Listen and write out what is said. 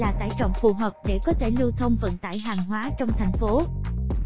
đây là tải trọng phù hợp để có thể lưu thông vận tải hàng hóa trong thành phố